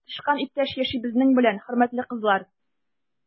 Тычкан иптәш яши безнең белән, хөрмәтле кызлар!